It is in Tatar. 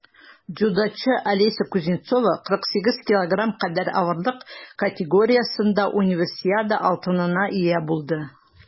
Дзюдочы Алеся Кузнецова 48 кг кадәр авырлык категориясендә Универсиада алтынына ия булды.